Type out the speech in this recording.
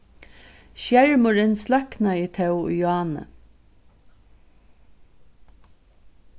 skermurin sløknaði tó í áðni